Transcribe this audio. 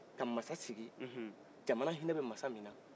ka masa sigi jamana hinɛ bɛ masa min na